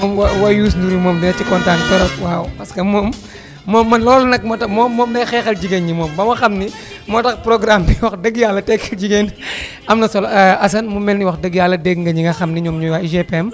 moom woyu youssou Ndour bi moom dina ci kontaan trop waaw parce que moom man loolu nag moo tax moom day xeexal jigéen ñi moom ba ma xam ni moo tax programme bi wax dëgg yàlla tekki jigéen am na solo Assane mu mel ni wax dëgg yàlla dégg nga ñi nga xam ne ñoom ñooy waa UGPM